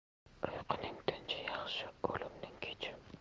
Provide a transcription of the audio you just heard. uyquning tinchi yaxshi o'limning kechi